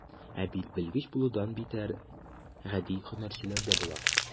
Ә бит белгеч булудан битәр, гади һөнәрчеләр дә була.